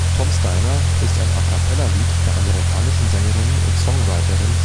Tom’ s Diner [ˌtɑːmzˈdaɪnɚ] ist ein A-cappella-Lied der amerikanischen Sängerin und Songwriterin